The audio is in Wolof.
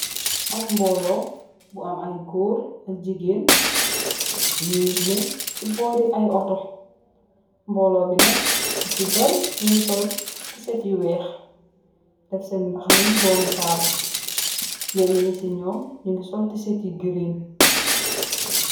Ap mbolo bu am ay gór ak gigeen, ñii neh ci bóri ay Otto. Mbolo bi nat luci bari ñu ngi sol tisat yu wèèx def sèèn mbàxna yu domi tahal. Ñeeni ñi ci ñow ñu ngi sol tisat yu green.